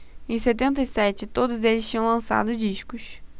em setenta e sete todos eles tinham lançado discos